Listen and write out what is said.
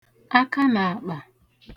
akanaakpa